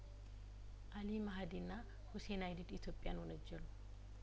አሊ ማ ሀዲና ሁሴን አይዲድ ኢትዮጵያን ወነጀሉ